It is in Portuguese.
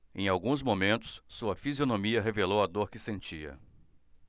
em alguns momentos sua fisionomia revelou a dor que sentia